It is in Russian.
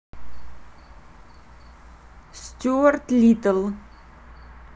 стюарт литтл